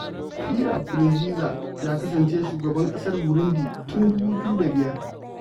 Pierre Nkurunziza ya kasance shugaban ƙasar Burundi tun 2005.